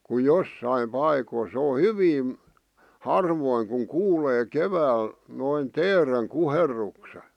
kun jossakin paikoissa se on hyvin harvoin kun kuulee keväällä noin teeren kuherruksen